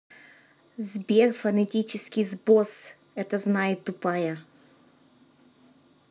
сбер фонетический сбос это знает тупая